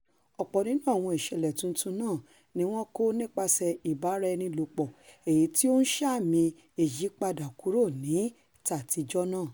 Ọ̀pọ̀ nínú àwọn ìṣẹ̀lẹ̀ tuntun náà níwọn kó nípaṣẹ̀ ìbáraẹnilòpọ̀, èyití ó ńṣàmì ìyípadà kúrò ní tàtijọ́ náà.